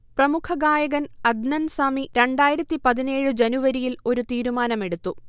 പ്രമുഖഗായകൻ അദ്നൻ സമി രണ്ടായിരത്തി പതിനേഴ് ജനുവരിയിൽ ഒരു തീരുമാനമെടുത്തു